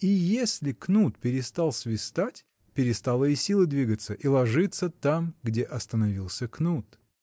И если кнут перестал свистать, — перестала и сила двигаться и ложится там, где остановился кнут.